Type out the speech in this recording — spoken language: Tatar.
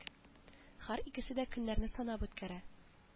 Һәр икесе дә көннәрне санап үткәрә